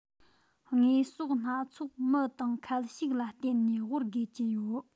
དངོས ཟོག སྣ ཚོགས མི དང ཁལ ཕྱུགས ལ བརྟེན ནས དབོར དགོས ཀྱི ཡོད